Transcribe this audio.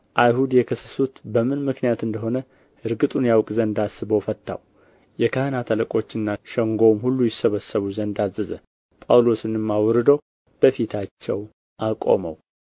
አይሁድ የከሰሱት በምን ምክንያት እንደ ሆነ እርግጡን ያውቅ ዘንድ አስቦ ፈታው የካህናት አለቆችና ሸንጎውም ሁሉ ይሰበሰቡ ዘንድ አዘዘ ጳውሎስንም አውርዶ በፊታቸው አቆመው